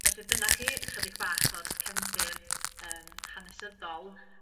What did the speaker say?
felly dyna chi chydig bach o'r cefndir yym hanesyddol.